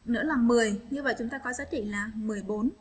nữa là như vậy chúng ta có giá trị là